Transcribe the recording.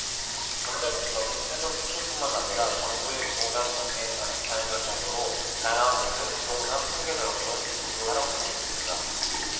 본래 목적인 세금추징뿐만 아니라 정부의 부동산 정책에까지 반영될 정도로 다양한 곳에 부동산 통계자료 또는 지표로 활용되고 있습니다